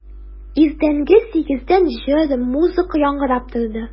Иртәнге сигездән җыр, музыка яңгырап торды.